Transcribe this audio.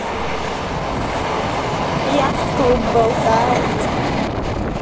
yacht club балтает